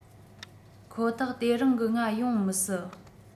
ཁོ ཐག དེ རིང གི ང ཡོད མི སྲིད